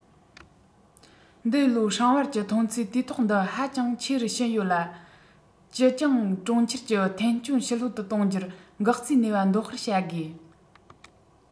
འདི ལོའི སྲིང བལ གྱི ཐོན ཚད དུས ཐོག འདི ཧ ཅང ཆེ རུ ཕྱིན ཡོད ལ ཅིའུ ཅང གྲོང ཁྱེར གྱི ཐན སྐྱོན ཞི ལྷོད དུ གཏོང རྒྱུར འགག རྩའི ནུས པ འདོན སྤེལ བྱ དགོས